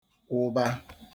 kwụba